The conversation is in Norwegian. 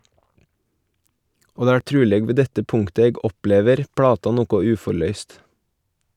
Og det er truleg ved dette punktet eg opplever plata noko uforløyst.